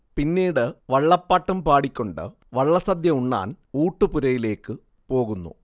പിന്നീട് വള്ളപ്പാട്ടും പാടി ക്കൊണ്ട് വള്ളസദ്യ ഉണ്ണാൻ ഊട്ടുപുരയിലേയ്ക്ക് പോകുന്നു